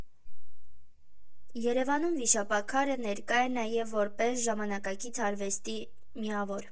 Երևանում վիշապաքարը ներկա է նաև որպես ժամանակակից արվեստի միավոր։